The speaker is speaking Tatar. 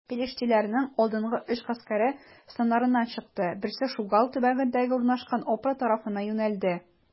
Пелештиләрнең алдынгы өч гаскәре, станнарыннан чыкты: берсе Шугал төбәгендә урнашкан Опра тарафына юнәлде.